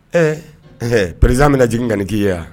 Ɛɛ? ɛhɛ, president bɛna jigin ka nin k'i ye wa?